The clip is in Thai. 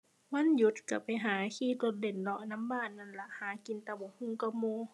วันหยุดก็ไปหาขี่รถเล่นเลาะนำบ้านนั่นล่ะ หากินตำบักหุ่งกับหมู่